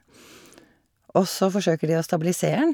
Og så forsøker de å stabilisere han.